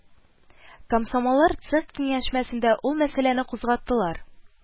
Комсомоллар цех киңәшмәсендә ул мәсьәләне кузгаттылар